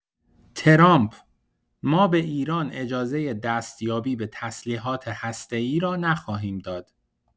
ترامپ: ما به ایران اجازه دستیابی به تسلیحات هسته‌ای را نخواهیم داد.